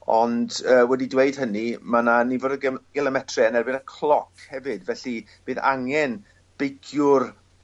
ond yy wedi dweud hynny ma' 'na nifer o gilo- gilometre yn erbyn y cloc hefyd felly bydd angen beiciwr